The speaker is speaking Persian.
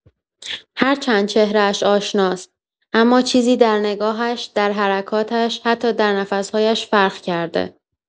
هرچند چهره‌اش آشناست، اما چیزی در نگاهش، در حرکاتش، حتی در نفس‌هایش فرق کرده.